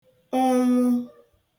ụnwụ